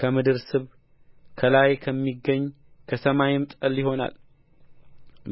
ከምድር ስብ ከላይ ከሚገኝ ከሰማይም ጠል ይሆናል